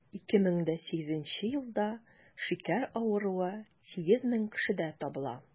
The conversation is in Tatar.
2008 елда шикәр авыруы 8 мең кешедә табыла.